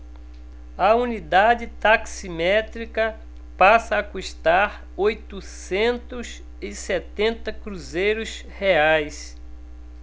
a unidade taximétrica passa a custar oitocentos e setenta cruzeiros reais